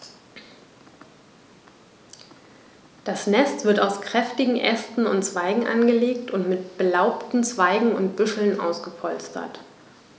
Das Nest wird aus kräftigen Ästen und Zweigen angelegt und mit belaubten Zweigen und Büscheln ausgepolstert.